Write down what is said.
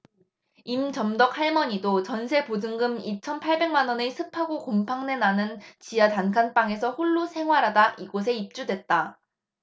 임점덕 할머니도 전세 보증금 이천 팔백 만원의 습하고 곰팡내 나는 지하 단칸방에서 홀로 생활하다 이곳에 입주했다